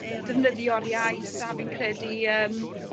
defnyddio'r iaith a fi'n credu yym